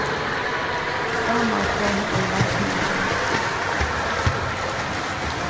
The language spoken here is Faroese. sámal kom í veitsluna hjá mær